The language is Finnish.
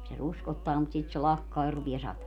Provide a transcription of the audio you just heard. se ruskottaa mutta sitten se lakkaa ja rupeaa satamaan